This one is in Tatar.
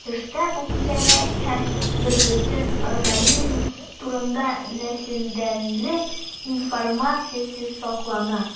Төштә бу күзәнәк һәм бербөтен организм турында нәселдәнлек информациясе саклана.